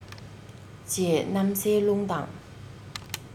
ཅེས གནམ སའི རླུང དང